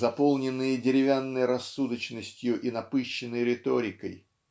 заполненные деревянной рассудочностью и напыщенной риторикой.